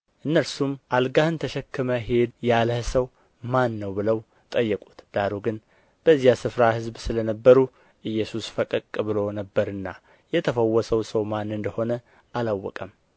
እነርሱም አልጋህን ተሸክመህ ሂድ ያለህ ሰው ማን ነው ብለው ጠየቁት ዳሩ ግን በዚያ ስፍራ ሕዝብ ሰለ ነበሩ ኢየሱስ ፈቀቅ ብሎ ነበርና የተፈወሰው ሰው ማን እንደ ሆነ አላወቀም